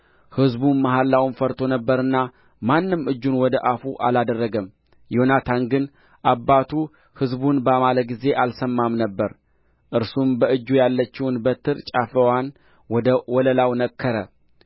ሕዝቡ መሐላውን ፈርቶ ነበርና ማንም እጁን ወደ አፉ አላደረገም ዮናታን ግን አባቱ ሕዝቡን ባማለ ጊዜ አልሰማም ነበር እርሱም በእጁ ያለችውን በትር ጫፍዋን ወደ ወለላው ነከረ